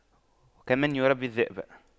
كمن يربي الذئب